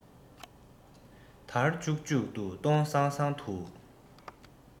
འདར ལྕུག ལྕུག ཏུ སྟོང སང སང དུ